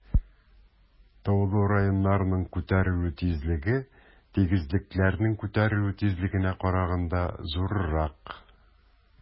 Таулы районнарның күтәрелү тизлеге тигезлекләрнең күтәрелү тизлегенә караганда зуррак.